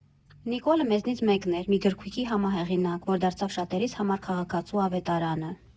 Նիկոլը մեզնից մեկն էր՝ մի գրքույկի համահեղինակ, որ դարձավ շատերիս համար քաղաքացու ավետարանը։